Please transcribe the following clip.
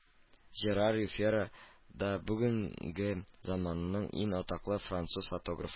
Жерар Юфера да – бүгенге заманның иң атаклы француз фотографы